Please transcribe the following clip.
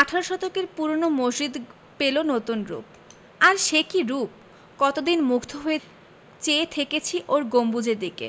আঠারো শতকের পুরোনো মসজিদ পেলো নতুন রুপ আর সে কি রুপ কতদিন মুগ্ধ হয়ে চেয়ে থেকেছি ওর গম্বুজের দিকে